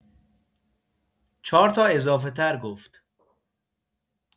۴ تا اضافه‌تر گفت